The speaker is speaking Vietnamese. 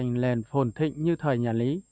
nên phồn thịnh như thời nhà lý